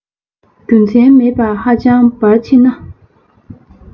རྒྱུ མཚན མེད པར ཧ ཅང འབར ཆེ ན